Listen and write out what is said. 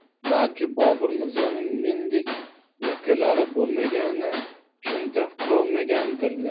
balki bobur mirzoning mendek navkarlari bo'lmagani uchun daf qilolmagandirlar